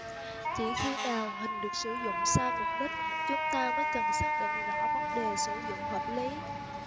chỉ khi nào hình được sử dụng sai mục đích chúng ta mới cần xác định rõ vấn đề sử dụng hợp lý